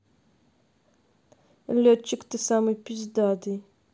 летчик ты самый пиздатый